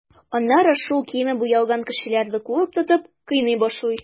Аннары шул киеме буялган кешеләрне куып тотып, кыйный башлый.